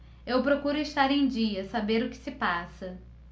eu procuro estar em dia saber o que se passa